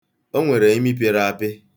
O nwere imi pịrị apị.